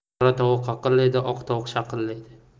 qora tovuq qaqillaydi oq tovuq shaqillaydi